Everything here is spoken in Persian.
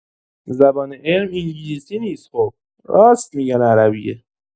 زبان علم انگلیسی نیست خب راست می‌گن عربیه.